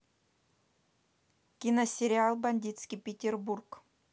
киносериал бандитский петербург